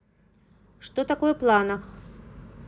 что такое планах